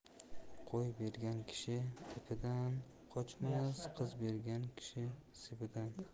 qo'y bergan kishi ipidan qochmas qiz bergan kishi sepidan